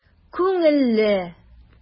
Күңелле!